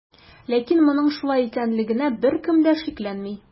Ләкин моның шулай икәнлегенә беркем дә шикләнми.